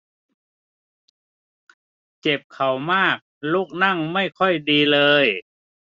เจ็บเข่ามากลุกนั่งไม่ค่อยดีเลย